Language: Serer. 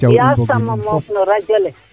yasam o moof no radio le